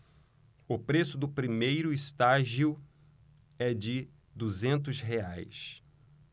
o preço do primeiro estágio é de duzentos reais